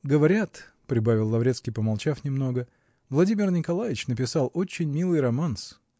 Говорят, -- прибавил Лаврецкий, помолчав немного, -- Владимир Николаич написал очень милый романс.